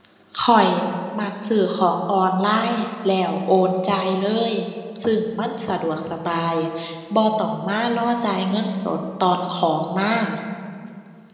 ข้อยมักซื้อของออนไลน์ แล้วโอนจ่ายเลย ซึ่งมันสะดวกสบายบ่ต้องมารอจ่ายเงินสดตอนของมา